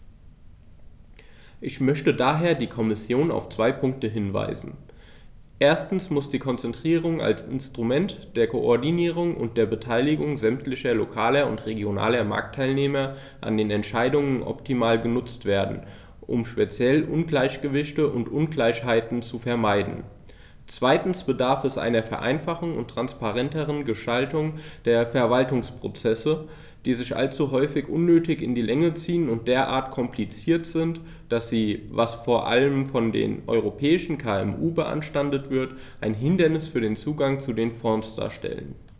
Ich möchte daher die Kommission auf zwei Punkte hinweisen: Erstens muss die Konzertierung als Instrument der Koordinierung und der Beteiligung sämtlicher lokaler und regionaler Marktteilnehmer an den Entscheidungen optimal genutzt werden, um speziell Ungleichgewichte und Ungleichheiten zu vermeiden; zweitens bedarf es einer Vereinfachung und transparenteren Gestaltung der Verwaltungsprozesse, die sich allzu häufig unnötig in die Länge ziehen und derart kompliziert sind, dass sie, was vor allem von den europäischen KMU beanstandet wird, ein Hindernis für den Zugang zu den Fonds darstellen.